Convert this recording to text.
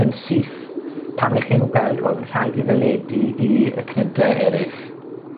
yn syth pan 'ych hi'n gweld hwn, rhag i fe ledu i y cnyde erych.